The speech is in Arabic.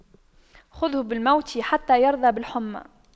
خُذْهُ بالموت حتى يرضى بالحُمَّى